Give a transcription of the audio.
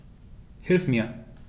Hilf mir!